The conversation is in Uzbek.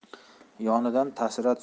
yonidan tasira tusur